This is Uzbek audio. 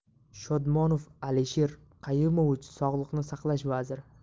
shodmonov alisher qayumovich sog'liqni saqlash vaziri